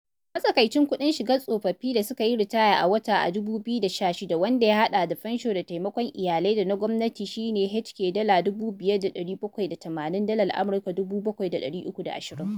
Matsakaicin kuɗin shigar tsofaffin da suka yi ritaya a wata a 2016 - wanda ya haɗa da fansho da taimakon iyalai da na gwamnati - shi ne HK$5,780 (Dalar Amurka 7320).